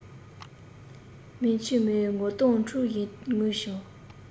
མོས མཆིལ མས ངོ གདོང འཁྲུད བཞིན ངུས བྱུང